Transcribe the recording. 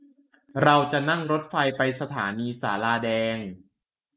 เราจะนั่งรถไฟไปสถานีศาลาแดง